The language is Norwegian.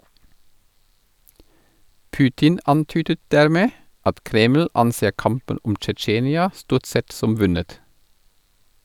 Putin antydet dermed at Kreml anser kampen om Tsjetsjenia stort sett som vunnet.